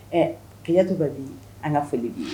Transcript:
Ɛ ketu dɔ bi an ka foli bi